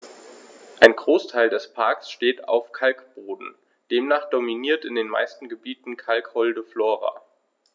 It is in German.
Ein Großteil des Parks steht auf Kalkboden, demnach dominiert in den meisten Gebieten kalkholde Flora.